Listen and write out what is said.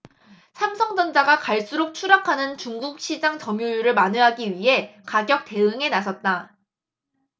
삼성전자가 갈수록 추락하는 중국 시장 점유율을 만회하기 위해 가격 대응에 나섰다